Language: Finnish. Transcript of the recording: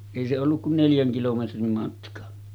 ei se ollut kuin neljän kilometrin matka